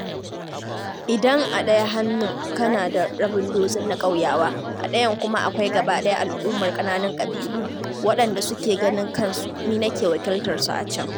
Idan a ɗaya hannun kana da rabin dozin na ƙauyawa, a ɗayan kuma akwai gabaɗaya al'ummar ƙananan ƙabilu waɗanda suke ganin kansu ni nake wakiltar su a can.